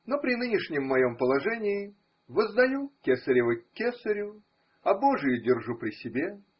Но при нынешнем моем положении воздаю кесарево кесареву, а божию держу про себя.